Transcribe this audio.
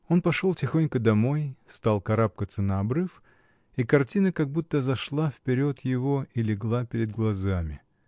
Он пошел тихонько домой, стал карабкаться на обрыв, а картина как будто зашла вперед его и легла перед глазами.